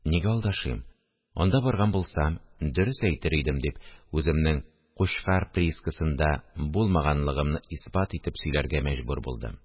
– нигә алдашыйм, анда барган булсам, дөрес әйтер идем, – дип, үземнең кучкар приискасында булмаганлыгымны исбат итеп сөйләргә мәҗбүр булдым